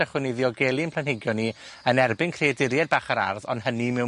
achwn ni ddiogelu 'yn planhigion ni yn erbyn creaduried bach yr ardd, ond hynny mewn